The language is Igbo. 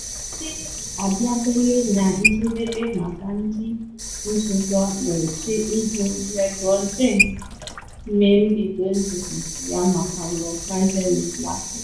Ọchịche abịabele na njedebe maka ndị nsuso na eche ịhụ LeBron James mee mbido izizi ya maka Los Angeles Lakers.